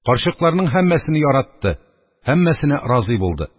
Карчыкларның һәммәсене яратты, һәммәсенә разый булды